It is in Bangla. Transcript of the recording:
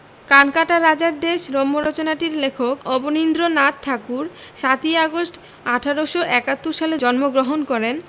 কানকাটা রাজার দেশ' রম্যরচনাটির লেখক অবনীন্দ্রনাথ ঠাকুর ৭ আগস্ট ১৮৭১ সালে জন্মগ্রহণ করেন